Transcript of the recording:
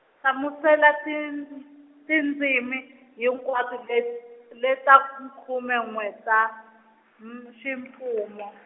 hlamusela tin-, tindzimi, hinkwato le, leta ku khume n'we ta, n-, ximfumo.